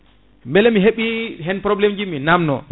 beele mi heɓi hen probléme uji mi namno